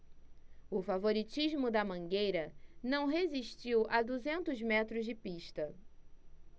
o favoritismo da mangueira não resistiu a duzentos metros de pista